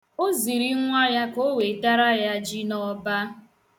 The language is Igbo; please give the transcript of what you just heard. O ziri nwa ya ka o wetara ya ji n' ọba.